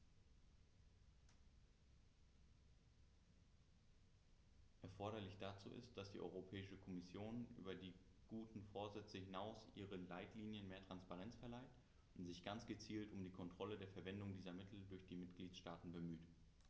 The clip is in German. Erforderlich dazu ist, dass die Europäische Kommission über die guten Vorsätze hinaus ihren Leitlinien mehr Transparenz verleiht und sich ganz gezielt um die Kontrolle der Verwendung dieser Mittel durch die Mitgliedstaaten bemüht.